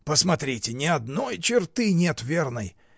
— Посмотрите: ни одной черты нет верной.